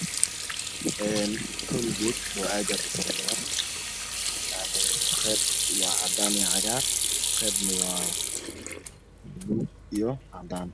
Waa koolgeed kalarkeedu qeyb waa cadaan iyo cagaar qeybna waa cadaan iyo buluug.